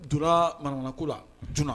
Dunan mara ko la dunan